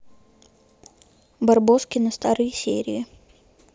барбоскины старые серии